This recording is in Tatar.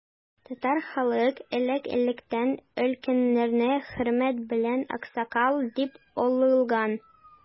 Татар халкы элек-электән өлкәннәрне хөрмәт белән аксакал дип олылаган.